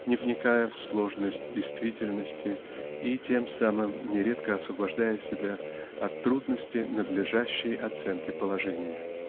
не вникая в сложность действительности и тем самым нередко освобождая себя от трудности надлежащей оценки положения.